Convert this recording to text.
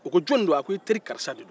o ko joni do a k o e teri karisa do